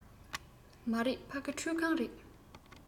མ རེད ཕ གི ཁྲུད ཁང རེད